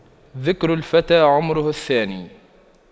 ذكر الفتى عمره الثاني